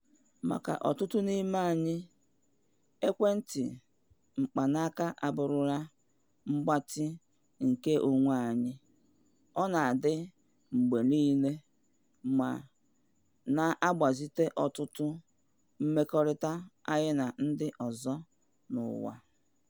Maka ọtụtụ n'ime anyị, ekwentị mkpanaaka abụrụla mgbatị nke onwe anyị - ọ na-adị mgbe niile, ma na-agbazite ọtụtụ mmekọrịta anyị na ndị ọzọ n'ụwa.